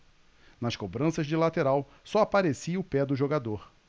nas cobranças de lateral só aparecia o pé do jogador